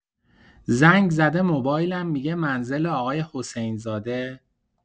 زنگ‌زده موبایلم می‌گه منزل آقای حسین زاده؟